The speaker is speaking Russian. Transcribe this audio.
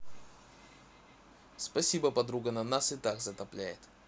спасибо подруга на нас и так затопляет